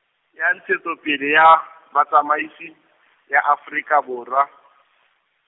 ya Ntshetsopele ya Batsamaisi, ya Afrika Borwa.